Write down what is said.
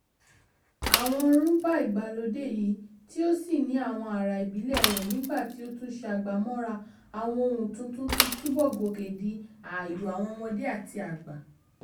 Àwọn Rhumba ìgbàlódé yìí tí ó sì ní àwọn ará ìbílẹ̀ rẹ̀ nígbàtí ó tún ṣe àgbàmọ́ra àwọn ohùn tuntun tí túbọ̀ gòkè di ààyò àwọn ọmọdé àti àgbà.